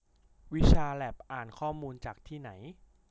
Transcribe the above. วิชาแล็บอ่านข้อมูลจากที่ไหน